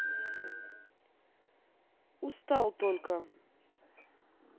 устал только